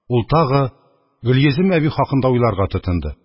Ул тагы Гөлйөзем әби хакында уйларга тотынды.